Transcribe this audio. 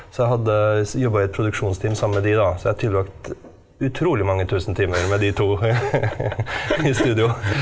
så jeg hadde jobba i et produksjonsteam sammen med de da, så jeg har tilbrakt utrolig mange 1000 timer med de to i studio.